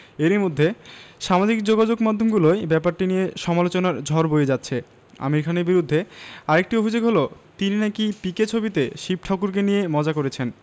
এরই মধ্যে সামাজিক যোগাযোগমাধ্যমগুলোয় ব্যাপারটি নিয়ে সমালোচনার ঝড় বয়ে যাচ্ছে আমির খানের বিরুদ্ধে আরেকটি অভিযোগ হলো তিনি নাকি পিকে ছবিতে শিব ঠাকুরকে নিয়ে মজা করেছেন